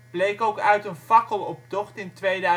bleek ook uit een fakkeloptocht in 2008